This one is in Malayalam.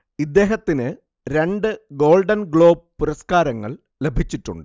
ഇദ്ദേഹത്തിന് രണ്ട് ഗോൾഡൻ ഗ്ലോബ് പുരസകാരങ്ങൾ ലഭിച്ചിട്ടുണ്ട്